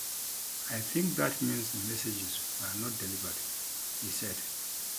"I think that means the messages were not delivered," he said.